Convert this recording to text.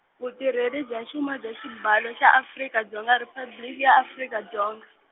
Vutirheli bya Xuma bya Xibalo xa Afrika Dzonga Riphabliki ya Afrika Dzonga.